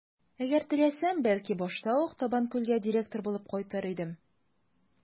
Әгәр теләсәм, бәлки, башта ук Табанкүлгә директор булып кайтыр идем.